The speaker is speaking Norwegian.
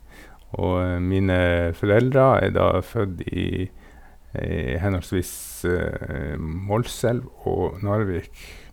Og mine foreldre er da født i i henholdsvis Målselv og Narvik.